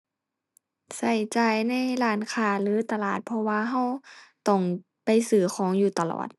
ใช้จ่ายในร้านค้าหรือตลาดเพราะว่าใช้ต้องไปซื้อของอยู่ตลอด